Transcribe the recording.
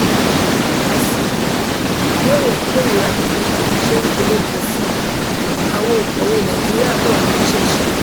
Kà sí i: Bí ọ̀rọ̀ ìkórìíra tẹ̀gbintẹ̀gbin ṣe ń peléke sí i, àwọn òǹkọ̀wée Nàìjíríà náà múṣẹ́ ṣe